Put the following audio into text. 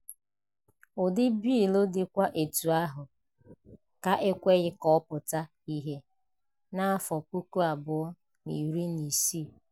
Ụdị bịịlụ dịkwa etu ahụ ka e kweghị ka ọ pụta ìhè n'afọ 2016.